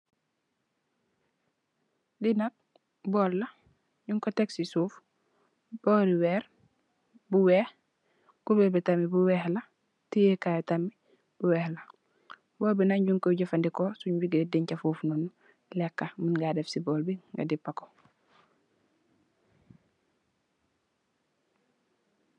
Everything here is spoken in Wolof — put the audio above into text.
Li nak bowl la nyun ko tek si suuf bowl li weer bu weex cuber bi tamit bu weex la tiye kai tamit bu weex la bowl bi nak nyu koi jefendeko sung buge def foufu leka mun nga def si bowl bi nga depa ko.